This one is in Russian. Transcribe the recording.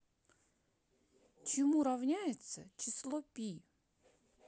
чему ровняется число пи